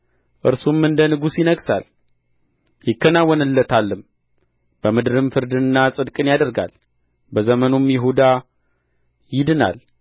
እርሱም እንደ ንጉሥ ይነግሣል ይከናወንለታልም በምድርም ፍርድንና ጽድቅን ያደርጋል በዘመኑም ይሁዳ ይድናል